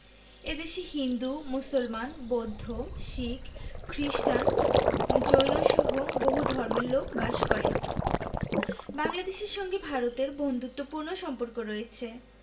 এ দেশে হিন্দু মুসলমান বৌদ্ধ শিখ খ্রিস্টান জৈনসহ বহু ধর্মের লোক বাস করে বাংলাদেশের সঙ্গে ভারতের বন্ধুত্তপূর্ণ সম্পর্ক রয়ছে